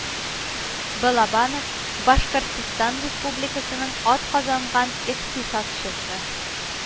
Балабанов Башкортстан Республикасының атказанган икътисадчысы